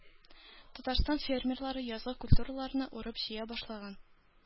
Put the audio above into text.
Татарстан фермерлары язгы культураларны урып-җыя башлаган.